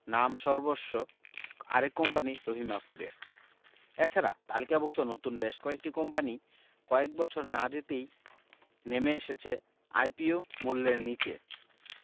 নামসর্বস্ব আরেক কোম্পানি রহিমা ফুডের এ ছাড়া তালিকাভুক্ত নতুন বেশ কয়েকটি কোম্পানি কয়েক বছর না যেতেই নেমে এসেছে আইপিও মূল্যের নিচে